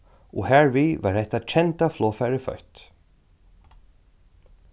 og harvið varð hetta kenda flogfarið føtt